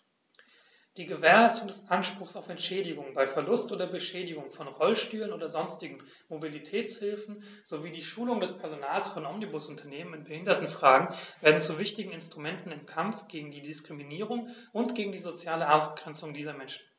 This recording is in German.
Die Gewährleistung des Anspruchs auf Entschädigung bei Verlust oder Beschädigung von Rollstühlen oder sonstigen Mobilitätshilfen sowie die Schulung des Personals von Omnibusunternehmen in Behindertenfragen werden zu wichtigen Instrumenten im Kampf gegen Diskriminierung und gegen die soziale Ausgrenzung dieser Menschen.